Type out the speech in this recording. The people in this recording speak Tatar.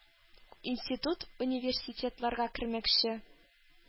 Институт-университетларга кермәкче.